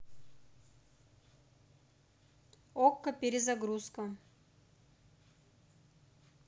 окко перезагрузка